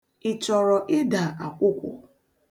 Ị chọrọ ịda akwụkwụ?